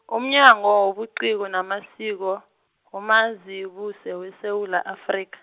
umnyango wobuciko namasiko, uMazibuse weSewula Afrika.